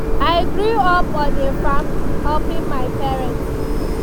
I grew up on a farm, helping my parents.